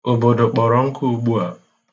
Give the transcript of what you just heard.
Obodo kpọrọ nkụ ugbu a.